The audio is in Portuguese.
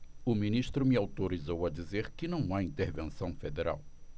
o ministro me autorizou a dizer que não há intervenção federal